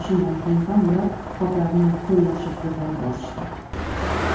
shundan keyin ham ular qoplarni qo'llashib ko'tarib bosishdi